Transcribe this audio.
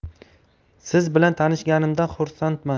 siz bilan tanishganimdan xursandman